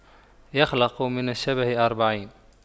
يخلق من الشبه أربعين